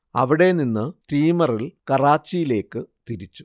അവിടെനിന്ന് സ്റ്റീമറിൽ കറാച്ചിയിലേക്ക് തിരിച്ചു